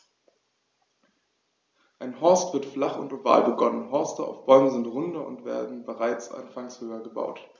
Ein Horst wird flach und oval begonnen, Horste auf Bäumen sind runder und werden bereits anfangs höher gebaut.